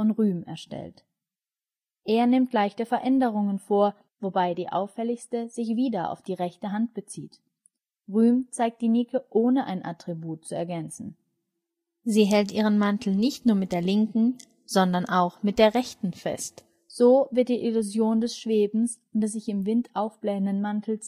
Er nimmt leichte Veränderungen vor, wobei die auffälligste sich wiederum auf die rechte Hand bezieht. Rühm zeigt die Nike ohne ein Attribut zu ergänzen. Sie hält ihren Mantel nicht nur mit der Linken, sondern auch mit der Rechten fest. So wird die Illusion des Schwebens und des sich im Wind aufblähenden Mantels wirklichkeitsnah dargestellt